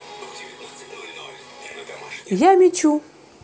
я мечу